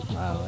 a oui